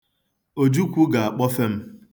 Ojukwu ga-akpọfe m.